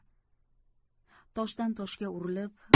toshdan toshga urilib